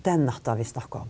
den natta vi snakker om.